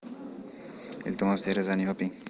iltimos derazani yoping